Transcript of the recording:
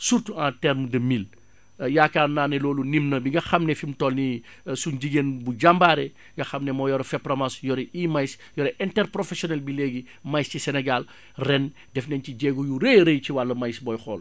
surtout en terme de mil yaakaar naa ne loolu Nimna mi nga xam ne fi mu toll nii suñu jigéen bu jàmbaare nga xam ne moo yor FEPROMAS yore I Maïs yore interprofessionnel bi léegi maïs ci Sénégal ren def nañ ci jéego yu rëy a rëy ci wàllu maïs booy xool